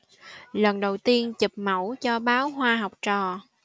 lần đầu tiên chụp mẫu cho báo hoa học trò